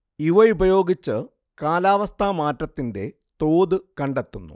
ഇവയുപയോഗിച്ച് കാലാവസ്ഥാ മാറ്റത്തിന്റെ തോത് കണ്ടെത്തുന്നു